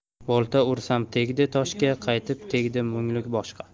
bolta ursam tegdi toshga qaytib tegdi mungluq boshga